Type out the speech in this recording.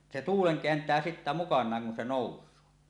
se tuulen kääntää sitten mukanaan kun se nousee